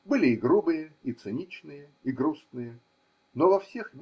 были и грубые, и циничные, и грустные, но во всех.